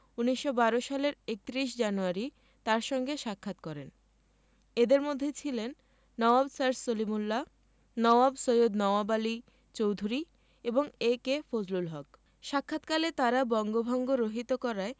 ১৯১২ সালের ৩১ জানুয়ারি তাঁর সঙ্গে সাক্ষাৎ করেন এঁদের মধ্যে ছিলেন নওয়াব স্যার সলিমুল্লাহ নওয়াব সৈয়দ নওয়াব আলী চৌধুরী এবং এ.কে ফজলুল হক সাক্ষাৎকালে তাঁরা বঙ্গভঙ্গ রহিত করায়